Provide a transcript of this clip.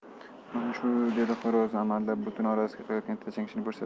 mana shu dedi xo'rozni amallab buti orasiga tiqayotgan tajang kishini ko'rsatib